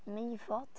Meifod